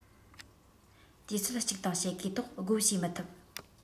དུས ཚོད གཅིག དང ཕྱེད ཀའི ཐོག སྒོ ཕྱེ མི ཐུབ